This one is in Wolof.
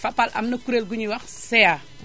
Fapal am na kuréel gu ñuy wax CA